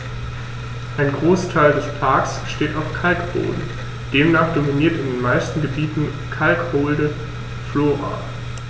Ein Großteil des Parks steht auf Kalkboden, demnach dominiert in den meisten Gebieten kalkholde Flora.